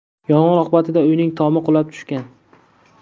yong'in oqibatida uyning tomi qulab tushgan